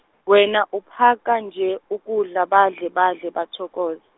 wena uphaka nje, ukudla badle badle bathokoz-.